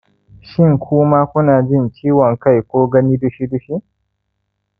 shin kuma ku na jin ciwon-kai ko gani dushi-dushi